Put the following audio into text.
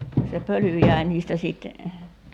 se pöly jäi niistä sitten